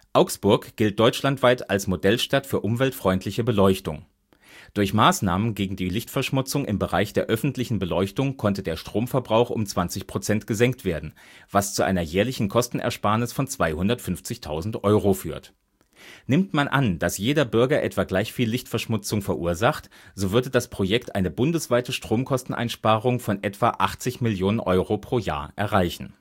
Augsburg gilt deutschlandweit als „ Modellstadt für umweltfreundliche Beleuchtung “. Durch Maßnahmen gegen die Lichtverschmutzung im Bereich der öffentlichen Beleuchtung konnte der Stromverbrauch um 20 % gesenkt werden, was zu einer jährlichen Kostenersparnis von 250.000, - Euro führt. Nimmt man an, dass jeder Bürger etwa gleich viel Lichtverschmutzung verursacht, so würde das Projekt eine bundesweite Stromkosteneinsparung etwa 80 Mio. Euro pro Jahr erreichen